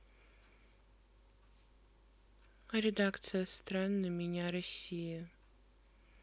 редакция стран на меня россии